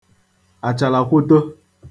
àchàlàkwoto